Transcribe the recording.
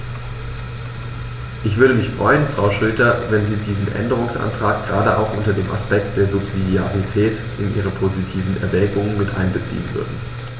Ich würde mich freuen, Frau Schroedter, wenn Sie diesen Änderungsantrag gerade auch unter dem Aspekt der Subsidiarität in Ihre positiven Erwägungen mit einbeziehen würden.